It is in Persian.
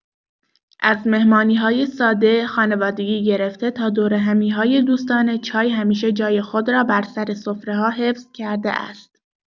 از مهمانی‌های ساده خانوادگی گرفته تا دورهمی‌های دوستانه، چای همیشه جای خود را بر سر سفره‌ها حفظ کرده است.